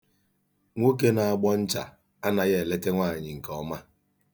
Nwoke na-agbọ ncha anaghị elete nwaanyị nke ọma.